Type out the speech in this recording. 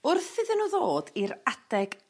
wrth iddyn n'w ddod i'r adeg